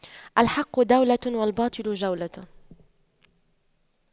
الحق دولة والباطل جولة